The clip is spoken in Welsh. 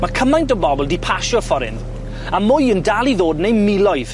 Ma' cymaint o bobol di pasio'r ffor 'yn, a mwy yn dal i ddod neu miloedd.